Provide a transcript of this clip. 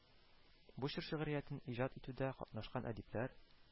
Бу чор шигъриятен иҗат итүдә катнашкан әдипләр